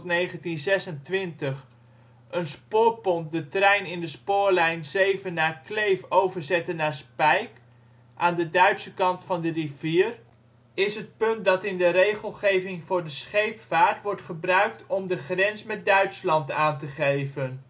1865-1926) een spoorpont de trein in de spoorlijn Zevenaar - Kleef overzette naar Spijck, aan de Duitse kant van de rivier, is het punt dat in de regelgeving voor de scheepvaart wordt gebruikt om de grens met Duitsland aan te geven